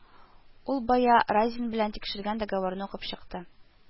Ул бая Разин белән тикшергән договорны укып чыкты